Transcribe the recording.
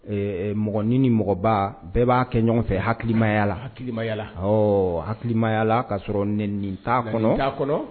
Ɛɛ mɔgɔn ni ni mɔgɔba bɛɛ b'a kɛ ɲɔgɔn fɛ hakilimayala hakilikilimayala hakilimayala k ka sɔrɔ n nin t' kɔnɔ kɔnɔ